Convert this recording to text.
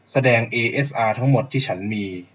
แสดงเอเอสอาทั้งหมดที่ฉันมี